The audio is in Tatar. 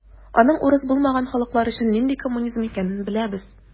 Аның урыс булмаган халыклар өчен нинди коммунизм икәнен беләбез.